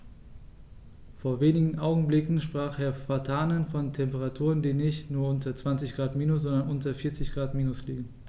Vor wenigen Augenblicken sprach Herr Vatanen von Temperaturen, die nicht nur unter 20 Grad minus, sondern unter 40 Grad minus liegen.